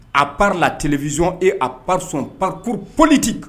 A parr la tele vizsɔnɔn e a parzsɔn pako politi